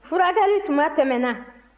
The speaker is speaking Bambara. furakɛli tuma tɛmɛna